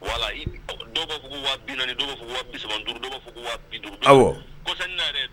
Wala dɔwbugu naani dɔw fɔ waasaban duuru dɔw duuru n